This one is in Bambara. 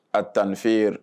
A tanni fɛ